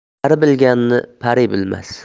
qari bilganni pari bilmas